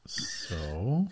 So?